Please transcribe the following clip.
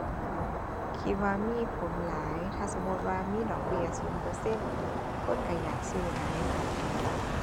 คิดว่ามีผลหลาย ถ้าสมมุติว่ามีดอกเบี้ยศูนย์เปอร์เซ็นต์คนก็อยากซื้อหลายมากขึ้น